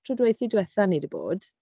tro dwethi- diwethaf ni 'di bod